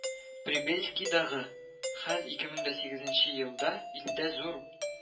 Прибельскийдагы хәл ике мең сигезенче елда илдә зур